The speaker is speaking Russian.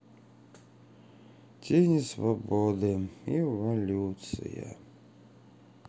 тени свободы эволюция